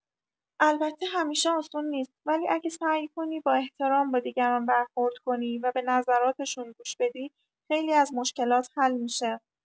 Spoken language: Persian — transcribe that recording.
البته همیشه آسون نیست، ولی اگه سعی کنی با احترام با دیگران برخورد کنی و به نظراتشون گوش بدی، خیلی از مشکلات حل می‌شه.